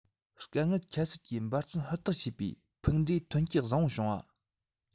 དཀའ ངལ ཁྱད བསད ཀྱིས འབད རྩོལ ཧུར ཐག བྱས པའི ཕུགས འབྲས ཐོན སྐྱེད བཟང པོ བྱུང བ